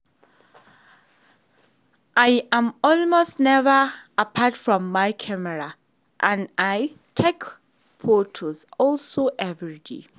I am almost never apart from my camera and I take photos almost everyday.